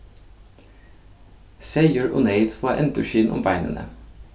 seyður og neyt fáa endurskin um beinini